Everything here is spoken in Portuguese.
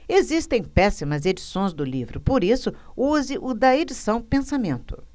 existem péssimas edições do livro por isso use o da edição pensamento